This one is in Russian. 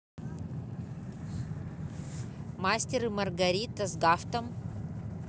мастер и маргарита с гафтом